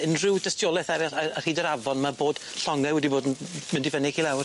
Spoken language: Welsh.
unrhyw dystioleth arall a- ar hyd yr afon ma' bod llonge wedi bod yn n- mynd i fyny ac i lawr?